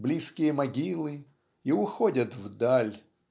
близкие могилы и уходя в даль